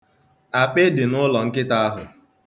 Akpị dị n'ụlọnkịta ahụ.